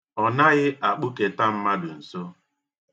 Ọ naghi akpụketa mmadụ nso.